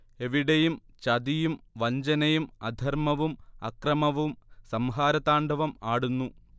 എവിടെയും ചതിയും വഞ്ചനയും, അധർമ്മവും അക്രമവും സംഹാരതാണ്ഡവം ആടുന്നു